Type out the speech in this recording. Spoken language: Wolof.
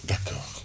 d' accord